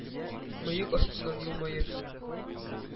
Мыек астыннан елмаеп: